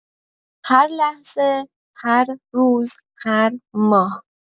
هر لحظه، هر روز، هر ماه